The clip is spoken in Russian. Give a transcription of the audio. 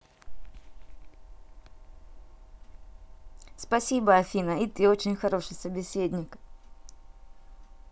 спасибо афина и ты очень хороший собеседник